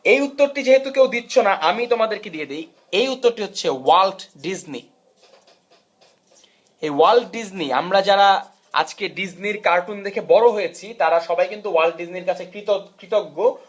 এই উত্তরটি যেহেতু কেউ দিচ্ছ না আমি তোমাদেরকে দিয়ে দিয়ে উত্তরটি হচ্ছে ওয়াল্ট ডিজনি এই ওয়াল্ট ডিজনি আমরা যারা আজকে ডিজনির কার্টুন দেখে বড় হয়েছি তারা সবাই কিন্তু ওয়াল্ট ডিজনির কাছে কৃতজ্ঞ